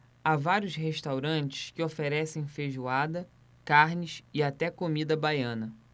há vários restaurantes que oferecem feijoada carnes e até comida baiana